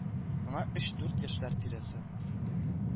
Аңа өч дүрт яшьләр тирәсе,